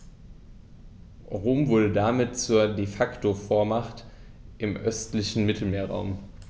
Rom wurde damit zur ‚De-Facto-Vormacht‘ im östlichen Mittelmeerraum.